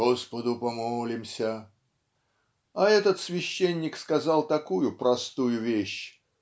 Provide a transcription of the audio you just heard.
Господу помолимся!" А этот священник сказал такую простую речь